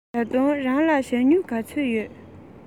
ཞའོ ཧུང རང ལ ཞྭ སྨྱུག ག ཚོད ཡོད